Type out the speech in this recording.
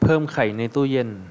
เพิ่มไข่ในตู้เย็น